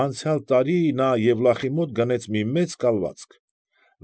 Անցյալ տարի նա Եվլախի մոտ գնեց մի մեծ կալվածք։